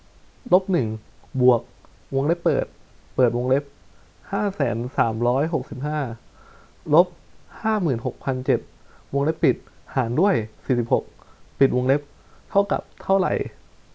ลบหนึ่งบวกวงเล็บเปิดเปิดวงเล็บห้าแสนสามร้อยหกสิบห้าลบห้าหมื่นหกพันเจ็ดวงเล็บปิดหารด้วยสี่สิบหกปิดวงเล็บเท่ากับเท่าไหร่